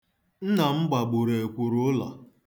Nna m gbagburu ekwurụụlọ.